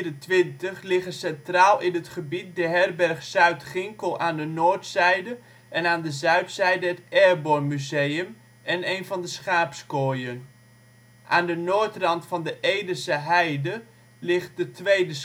N224 liggen centraal in het gebied de Herberg Zuid Ginkel aan de noordzijde en aan de zuidzijde het Airborne monument en een van de schaapskooien. Schaapskooi met op de achtergrond Herberg Zuid Ginkel Aan de noordrand van de Edese Heide ligt de tweede